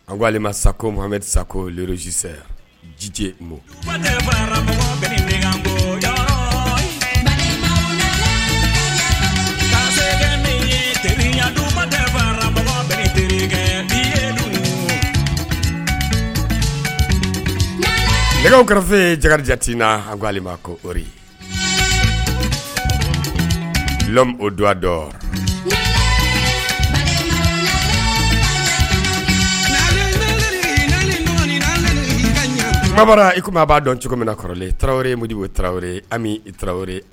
A ko sari sa ji nɛgɛ kɛrɛfɛfe jajat na an kolima koɔri o don i tun a b'a dɔn cogo min na kɔrɔ taraweleɔri ye modi ye taraweleɔri ami taraweleoɔri